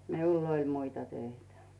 minulla oli muita töitä